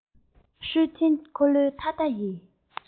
འདྲུད འཐེན འཁོར ལོའི ཐ ཐ ཡི སྒྲ